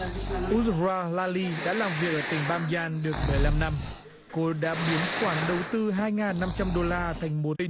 u dờ rao la li đã làm việc ở tỉnh ban dan được mười lăm năm cô đã biến khoản đầu tư hai ngàn năm trăm đô la thành một